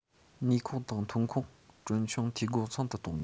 ནུས ཁུངས དང ཐོན ཁུངས གྲོན ཆུང འཐུས སྒོ ཚང དུ གཏོང དགོས